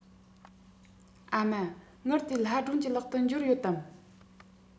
ཨ མ དངུལ དེ ལྷ སྒྲོན གྱི ལག ཏུ འབྱོར ཡོད དམ